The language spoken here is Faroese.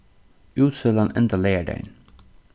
útsølan endar leygardagin